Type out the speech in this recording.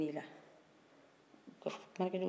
a mana kɛ cogo wo cogo u ka tabiyanin dɔ bɛ ne i fanfɛlanin dɔɔnin